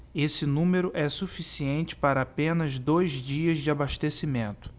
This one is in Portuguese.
esse número é suficiente para apenas dois dias de abastecimento